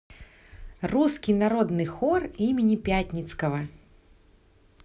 русский народный хор имени пятницкого